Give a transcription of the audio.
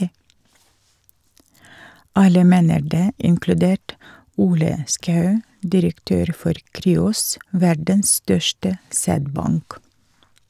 "Alle mener det, inkludert Ole Schou, direktør for Cryos, verdens største sædbank".